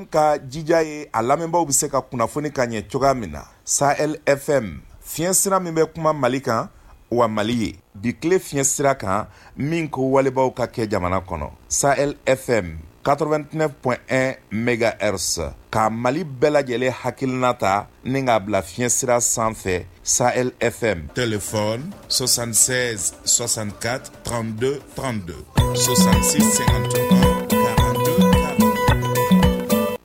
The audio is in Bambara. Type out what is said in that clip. N ka jija ye a lamɛnmi bɛ se ka kunnafoni ka ɲɛ cogoya min na saefɛ fiɲɛ sira min bɛ kuma mali kan wa mali ye bi tile fi fiɲɛ sira kan min ko walibaaw ka kɛ jamana kɔnɔ saefɛ kato2t pɛ bɛ sa ka mali bɛɛ lajɛlen hakilikilina ta ni k' a bila fiɲɛsira sanfɛ saefɛ tfa sɔsansɛ sɔsan ka kan kando sɔsansɛ